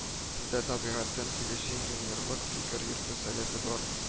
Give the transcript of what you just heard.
“сездә табигатьтән килүче инженерлык фикер йөртү сәләте бар”